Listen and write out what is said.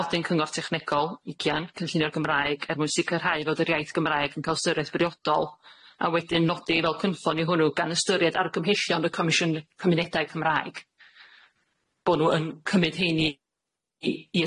nodi'n cyngor technegol ugian cynllunio'r Gymraeg er mwyn sicrhau fod yr iaith Gymraeg yn ca'l ystyriaeth briodol a wedyn nodi fel cynffon i hwnnw gan ystyried argymhellion y Comisiyne- cymunedau Cymraeg bo' nw yn cymyd rhein i i i